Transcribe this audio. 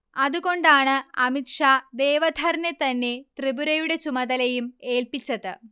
അതുകൊണ്ടാണ് അമിത് ഷാ ദേവധറിനെ തന്നെ ത്രിപുരയുടെ ചുമതലയും ഏൽപിച്ചത്